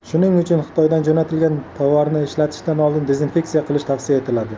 shuning uchun xitoydan jo'natilgan tovarni ishlatishdan oldin dezinfeksiya qilish tavsiya etiladi